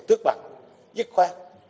tước bằng dứt khoát